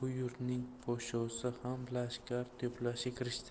bu yurtning podshosi ham lashkar to'plashga kirishibdi